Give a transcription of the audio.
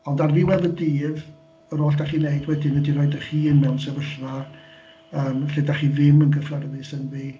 Ond ar ddiwedd y dydd, yr oll dach chi'n wneud wedyn ydy roid eich hun mewn sefyllfa yym lle dach chi ddim yn gyfforddus ynddi.